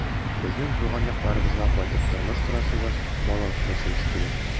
Безнең туган якларыбызга кайтып тормыш корасыбыз, бала үстерәсебез килә.